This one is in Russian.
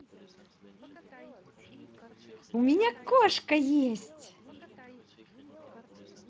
у меня кошка есть